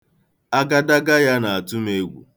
Agadaga ya na-atụ m egwu.